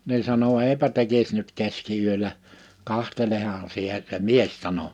niin sanoi eipä tekisi nyt keskiyöllä katsohan sinä se mies sanoi